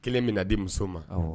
Kelen min na di muso ma